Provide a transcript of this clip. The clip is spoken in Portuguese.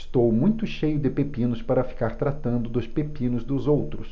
estou muito cheio de pepinos para ficar tratando dos pepinos dos outros